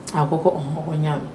A ko ko mɔgɔ y'a mɛn